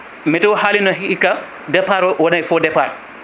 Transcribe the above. météo haalino hikka départ o wonay faux départ